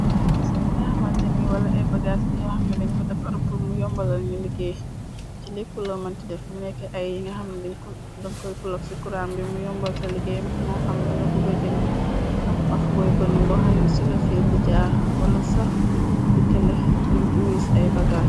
ay mase ñi nga xamanta ni wala ay bagars dañu xamna diñ ko dafa rukl mu yombalal ñu liggéey ci lekku loo manti dex minekka ay yi nga xamna liñ kodankoy plogci kuran bi mu yombalta liggéey moo xam danga buga jël ab pax booy bën boxanne ci la fiir di jaar wala sax di kele di wiis ay bagaas.